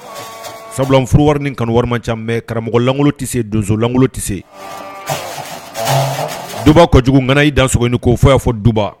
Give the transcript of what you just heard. Sabula furu wari kanu caman karamɔgɔlangolo tɛse donsolankolon tɛse doba kojugu nana ii da s k'o fɔ y'a fɔ duba